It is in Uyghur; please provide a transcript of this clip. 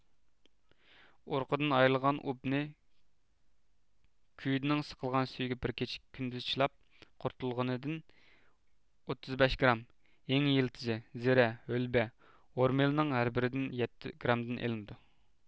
ئۇرۇقىدىن ئايرىلغان ئۇبنى كۈدىنىڭ سىقىلغان سۈيىگە بىر كېچە كۈندۈز چىلاپ قۇرۇتۇلغىنىدىن ئوتتۇز بەش گرام ھىڭ يىلتىزى زىرە ھۆلبە ھورمىلنىڭ ھەر بىرىدىن يەتتە گرامدىن ئېلىنىدۇ